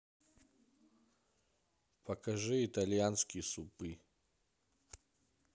покажи итальянские супы